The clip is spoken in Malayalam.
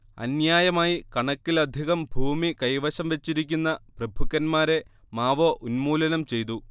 അന്യായമായി കണക്കിലധികം ഭൂമി കൈവശം വെച്ചിരിക്കുന്ന പ്രഭുക്കന്മാരെ മാവോ ഉന്മൂലനം ചെയ്തു